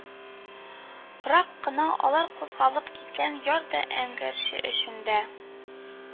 Рак кына алар кузгалып киткән яр да, эңгер эчендә